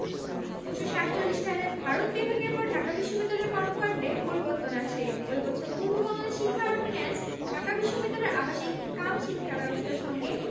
১৯৪৭ সালে ভারত বিভাগের পর ঢাকা বিশ্ববিদ্যালয়ের কর্মকান্ডে পরিবর্তন আসে ওই বছর পূর্ববাংলার শিক্ষা অর্ডিন্যান্স ঢাকা বিশ্ববিদ্যালয়ের আবাসিক কাম শিক্ষা ব্যবস্থার সঙ্গে